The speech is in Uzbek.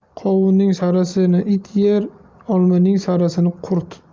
qovunning sarasini it yer olmaning sarasini qurt